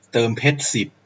เติมเพชรสิบ